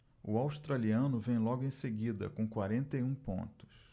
o australiano vem logo em seguida com quarenta e um pontos